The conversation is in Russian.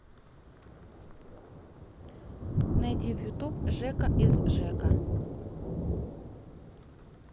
найди в ютуб жека из жэка